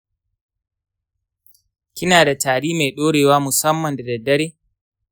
kina da tari mai ɗorewa musamman da daddare?